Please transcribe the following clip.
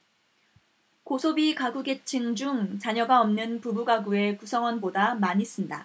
고소비가구계층 중 자녀가 없는 부부가구의 구성원보다 많이 쓴다